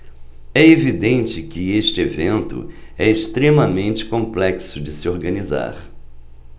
é evidente que este evento é extremamente complexo de se organizar